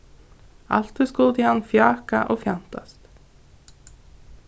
altíð skuldi hann fjáka og fjantast